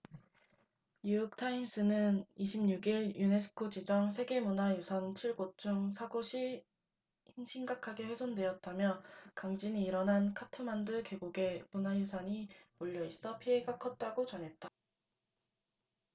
뉴욕타임스는 이십 육 일 유네스코 지정 세계문화유산 칠 곳 중 사 곳이 심각하게 훼손됐다며 강진이 일어난 카트만두 계곡에 문화유산이 몰려 있어 피해가 컸다고 전했다